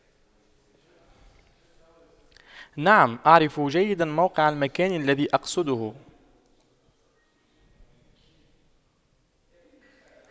نعم اعرف جيدا موقع المكان الذي أقصده